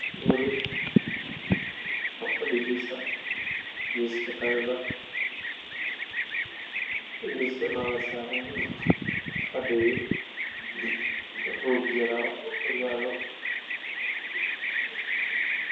Waa qol iyo fadhigiisa miisa qadaa saran